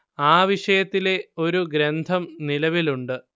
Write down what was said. ആ വിഷയത്തിലെ ഒരു ഗ്രന്ഥം നിലവിലുണ്ട്